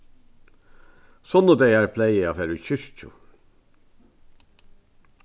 sunnudagar plagi eg at fara í kirkju